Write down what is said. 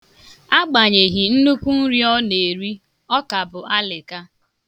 Agbanyeghị nnukwu nri ọ na-eri, ọ ka bụ alịka.